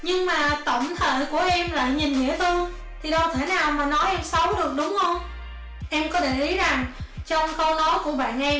nhưng mà tổng thể của em lại nhìn dễ thương thì đâu thể nào mà nói em xấu được đúng không em có để ý rằng trong câu nói của bạn em